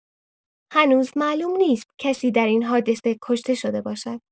هنوز معلوم نیست کسی در این حادثه کشته شده باشد.